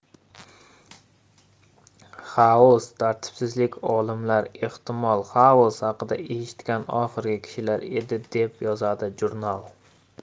xaos tartibsizlik olimlar ehtimol xaos haqida eshitgan oxirgi kishilar edi deb yozadi jurnal